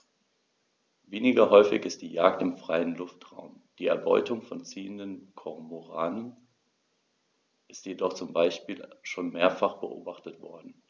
Weniger häufig ist die Jagd im freien Luftraum; die Erbeutung von ziehenden Kormoranen ist jedoch zum Beispiel schon mehrfach beobachtet worden.